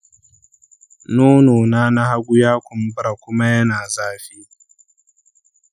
nono na na hagu ya kumbura kuma yana zafi.